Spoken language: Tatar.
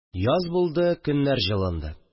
Яз булды, көннәр җылынды